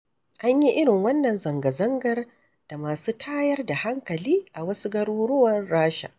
An yi irin wannan zanga-zangar da masu tayar da hankali a wasu garuruwan Rasha.